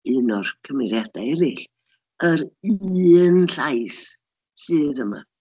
Un o'r cymeriadau eraill, yr un llais sydd yma.